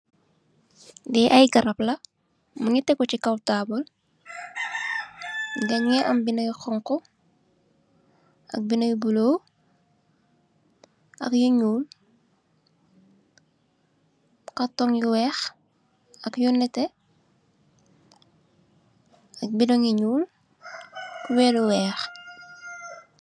Li aye grab la mogi tegu cu kaw tabal am binda yu njoul am yu xonxu am yu bula am kese yu wex ak yu nete bidong yu njoul ak yu nete cuber you eex